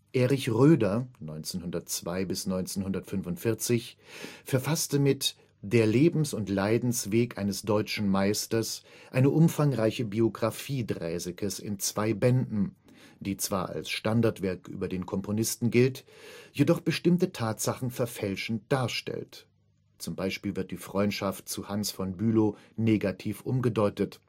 Erich Roeder (1902 – 1945) verfasste mit Der Lebens - und Leidensweg eines Deutschen Meisters eine umfangreiche Biografie Draesekes in zwei Bänden, die zwar als Standardwerk über den Komponisten gilt, jedoch bestimmte Tatsachen verfälschend darstellt (zum Beispiel wird die Freundschaft zu Hans von Bülow negativ umgedeutet